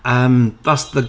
Yym, that's the...